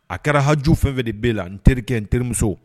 A kɛra haju fɛnfɛ de bɛɛ la n terikɛ n terimuso